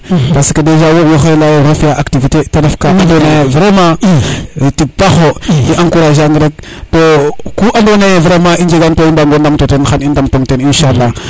parce que wo waxey leya ye waxey fiya activité ka nado naye vraiment tig paxo i encourager nag rek to ku ando naye vraiment i njegan to i mbagaŋo ndam to ten xan i ndam toŋten inchaalah